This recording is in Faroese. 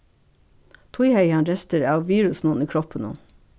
tí hevði hann restir av virusinum í kroppinum